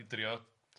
I drio...